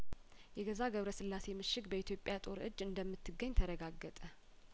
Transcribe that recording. የገዛ ገብረስላሴ ምሽግ በኢትዮጵያ ጦር እጅ እንደምትገኝ ተረጋገጠ